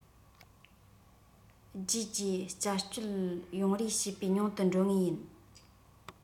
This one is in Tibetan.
རྗེས ཀྱི བསྐྱར གཅོད ཡོང རེ ཞུས པའི ཉུང དུ འགྲོ ངེས ཡིན